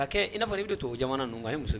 Ka ia fɔ i bɛ to jamana ninnu muso